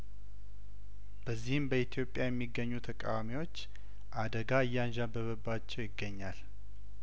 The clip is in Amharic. በዚህም በኢትዮትያ የሚገኙ ተቃዋሚዎች አደጋ እያንዣበበባቸው ይገኛል